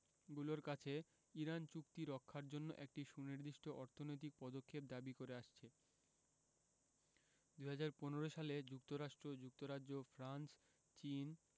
গুলোর কাছে ইরান চুক্তি রক্ষার জন্য একটি সুনির্দিষ্ট অর্থনৈতিক পদক্ষেপ দাবি করে আসছে ২০১৫ সালে যুক্তরাষ্ট্র যুক্তরাজ্য ফ্রান্স চীন